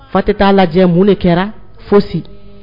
Fa tɛ t'a lajɛ mun de kɛra fo si